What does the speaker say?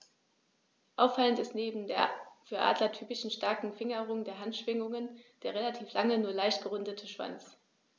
Auffallend ist neben der für Adler typischen starken Fingerung der Handschwingen der relativ lange, nur leicht gerundete Schwanz.